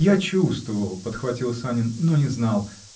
-- Я чувствовал, -- подхватил Санин, -- но не знал.